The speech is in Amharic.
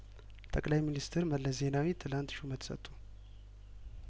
ጠቅላይ ሚኒስትር መለስ ዜናዊ ትላንት ሹመት ሰጡ